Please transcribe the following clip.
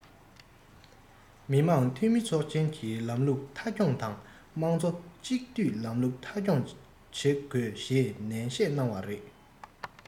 མི དམངས འཐུས མི ཚོགས ཆེན གྱི ལམ ལུགས མཐའ འཁྱོངས དང དམངས གཙོ གཅིག སྡུད ལམ ལུགས མཐའ འཁྱོངས བྱེད དགོས ཞེས ནན བཤད གནང བ རེད